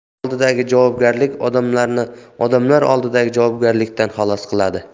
tarix oldidagi javobgarlik odamlarni odamlar oldidagi javobgarlikdan xalos qiladi